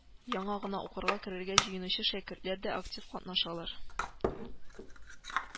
Яңа гына укырга керергә җыенучы шәкертләр дә актив катнашалар